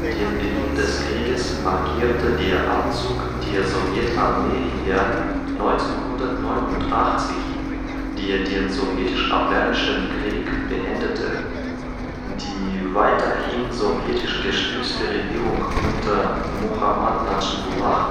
Den Beginn des Krieges markierte der Abzug der Sowjetarmee im Jahr 1989, der den Sowjetisch-Afghanischen Krieg beendete. Die weiterhin sowjetisch gestützte Regierung unter Muhammad Nadschibullāh